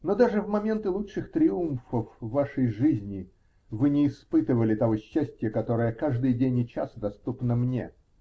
Но даже в моменты лучших триумфов вашей жизни вы не испытывали того счастья, которое каждый день и час доступно мне.